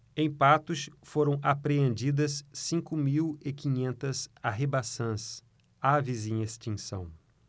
em patos foram apreendidas cinco mil e quinhentas arribaçãs aves em extinção